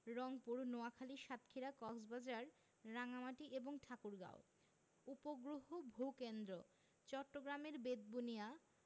রংপুর নোয়াখালী সাতক্ষীরা কক্সবাজার রাঙ্গামাটি এবং ঠাকুরগাঁও উপগ্রহ ভূ কেন্দ্রঃ চট্টগ্রামের বেতবুনিয়া